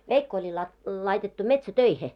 veikko oli - laitettu metsätöihin